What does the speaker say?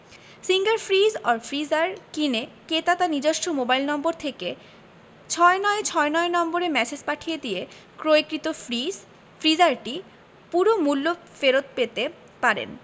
singer fridge or freezer কিনে ক্রেতা তার নিজস্ব মোবাইল নম্বর থেকে ৬৯৬৯ নম্বরে ম্যাসেজ পাঠিয়ে দিয়ে ক্রয়কৃত ফ্রিজ ফ্রিজারটি পুরো মূল্য ফেরত পেতে পারেন